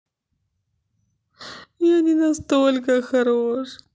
я не настолько хорош